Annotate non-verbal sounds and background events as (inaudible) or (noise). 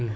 (hesitation) (hesitation)